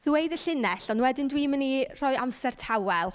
ddweud y llinell, ond wedyn dwi'n mynd i rhoi amser tawel